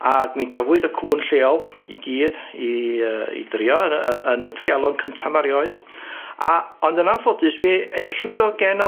A mi gafwyd y cŵn lleol i gyd i yy i drio yn yy yy yn y treialon cynta 'ma erioed a ond yn anffodus mi enillwyd o gen